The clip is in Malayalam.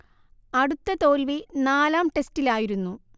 അടുത്ത തോ‌ൽ‌വി നാലാം ടെസ്റ്റിലായിരുന്നു